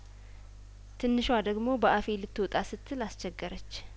ትንሿ ደግሞ በአፌ ልትወጣ ስትል አስቸገረች